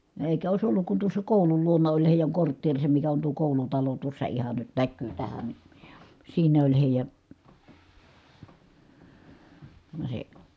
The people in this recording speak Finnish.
eikä olisi ollut kun tuossa koulun luona oli heidän kortteerinsa mikä on tuo koulutalo tuossa ihan nyt näkyy tähän niin siinä oli heidän no se